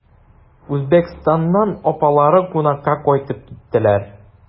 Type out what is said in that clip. Үзбәкстаннан апалары кунакка кайтып киттеләр.